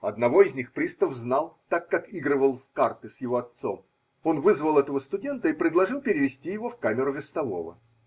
Одного из них пристав знал, так как игрывал в карты с его отцом: он вызвал этого студента и предложил перевести его в камеру вестового.